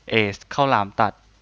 เอซข้าวหลามตัด